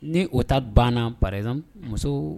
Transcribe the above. Ni o ta banna pazsan muso